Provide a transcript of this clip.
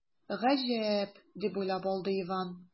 “гаҗәп”, дип уйлап алды иван.